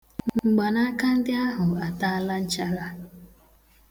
Mgbanaaka ndị ahụ ataala nchara.